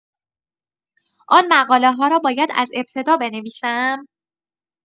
آن مقاله‌ها را باید از ابتدا بنویسم؟